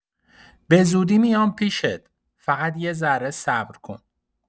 بزودی میام پیشت، فقط یه ذره صبر کن.